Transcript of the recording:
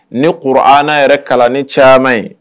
Ni kur-aana yɛrɛ kalanni caaman ye